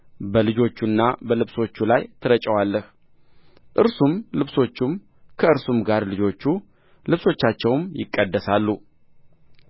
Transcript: በልጆቹና በልብሶቻቸው ላይ ትረጨዋለህ እርሱም ልብሶቹም ከእርሱም ጋር ልጆቹ ልብሶቻቸውም ይቀደሳሉ